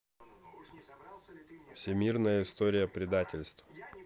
всемирная история предательств